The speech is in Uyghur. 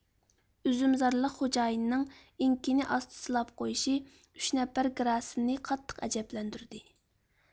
ئۈزۈمزارلىق خوجايىنىنىڭ ئېڭىكىنى ئاستا سىلاپ قويۇشى ئۈچ نەپەر گراسنېنى قاتتىق ئەجەبلەندۈردى